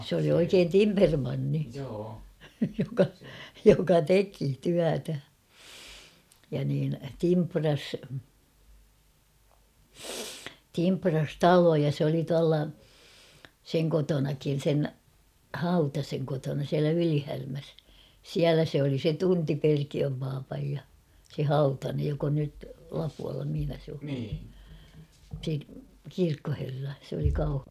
se oli oikein timpermanni joka joka teki työtä ja niin timprasi timprasi taloja se oli tuolla sen kotonakin sen Hautasen kotona siellä Ylihärmässä siellä se oli se tunti Perkiön papan ja se Hautanen joka on nyt Lapualla missä se on se kirkkoherra se oli -